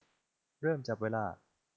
เริ่มจับเวลา